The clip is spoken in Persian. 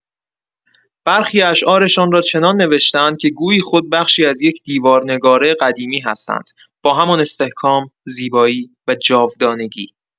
برخی اشعارشان را چنان نوشته‌اند که گویی خود بخشی از یک دیوارنگاره قدیمی هستند؛ با همان استحکام، زیبایی و جاودانگی.